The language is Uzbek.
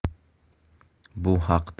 bu haqda